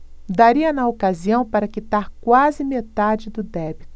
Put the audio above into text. daria na ocasião para quitar quase metade do débito